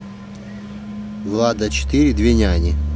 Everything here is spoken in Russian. влад а четыре две няни